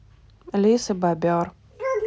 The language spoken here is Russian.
лис и бобер